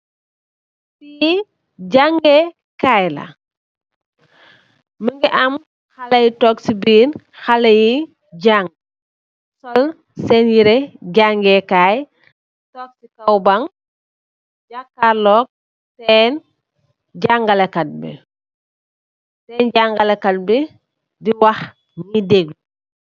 Fi jangeh kaila munge am khaleh yu tog si birr di janga sul sen yereh jangeh kai tog si kaw bang jakarlo sen janga let katbi janga let kat bi munge wah